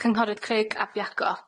Yy cynghorydd Creg ab Iago?